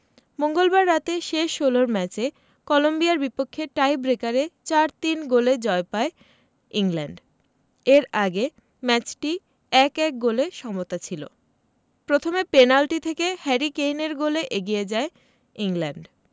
মঙ্গলবার রাতে শেষ ষোলোর ম্যাচে কলম্বিয়ার বিপক্ষে টাইব্রেকারে ৪ ৩ গোলে জয় পায় ইংল্যান্ড এর আগে ম্যাচটি ১ ১ গোলে সমতা ছিল প্রথমে পেনাল্টি থেকে হ্যারি কেইনের গোলে এগিয়ে যায় ইংল্যান্ড